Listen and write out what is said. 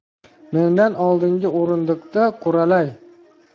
mendan oldingi o'rindiqda quralay